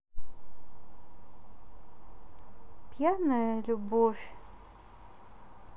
пьяная любовь